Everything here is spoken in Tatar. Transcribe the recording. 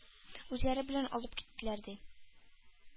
Үзләре белән алып киттеләр, ди,